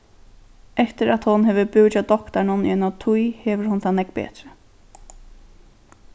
eftir at hon hevur búð hjá doktaranum í eina tíð hevur hon tað nógv betri